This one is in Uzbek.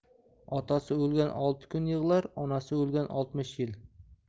otasi o'lgan olti kun yig'lar onasi o'lgan oltmish yil